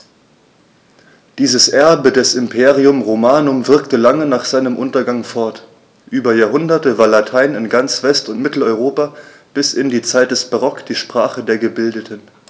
Dieses Erbe des Imperium Romanum wirkte lange nach seinem Untergang fort: Über Jahrhunderte war Latein in ganz West- und Mitteleuropa bis in die Zeit des Barock die Sprache der Gebildeten.